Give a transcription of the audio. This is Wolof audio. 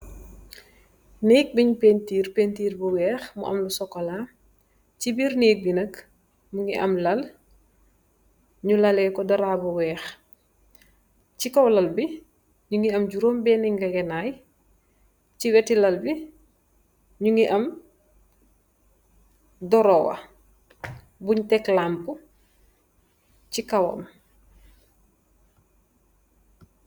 Nëëk buñg peentiir peentir bu weex, mu am sokolaa. Ci biir nëëk bi nak, mu ngi am lal, ñu lallee ko daraa bu weex. Ci kow lal bi, juroom beeni ñegenaay, si wetti lal bi, ñu ngi am dorowa, buñg tek lampu ci kowam.